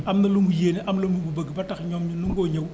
am na lu mu yéene am lu mu bëgg ba tax ñoom ñu nangoo ñëw